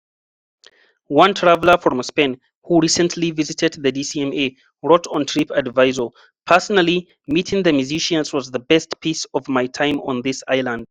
One traveler from Spain, who recently visited the DCMA, wrote on TripAdvisor: "Personally, meeting the musicians was the best piece of my time on this island".